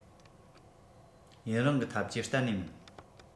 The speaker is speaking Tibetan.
ཡུན རིང གི ཐབས ཇུས གཏན ནས མིན